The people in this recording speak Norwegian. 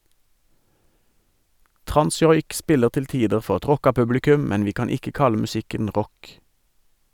Transjoik spiller til tider for et rocka publikum, men vi kan ikke kalle musikken rock.